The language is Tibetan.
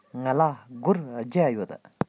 ང ལ སྒོར བརྒྱ ཡོད